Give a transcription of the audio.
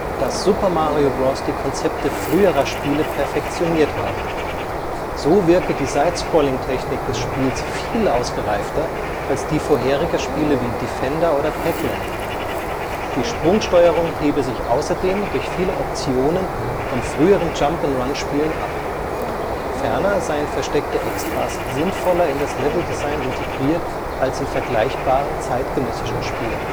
dass Super Mario Bros. die Konzepte früherer Spiele perfektioniert habe. So wirke die Side-Scrolling-Technik des Spiels viel ausgereifter als die vorheriger Spiele wie Defender (Arcade, 1980) oder Pac-Land. Die Sprungsteuerung hebe sich außerdem durch viele Optionen von früheren Jump -’ n’ - Run-Spielen ab. Ferner seien versteckte Extras sinnvoller in das Leveldesign integriert als in vergleichbaren zeitgenössischen Spielen